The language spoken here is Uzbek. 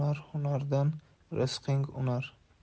hunar hunardan rizqing unar